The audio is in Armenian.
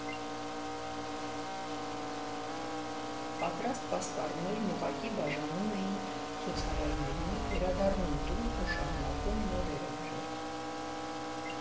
Պատրաստ պաստառներն ուղղակի բաժանում էի ցուցարարներին, վերադառնում տուն ու շարունակում նորերը գրել։